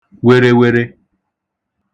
werewere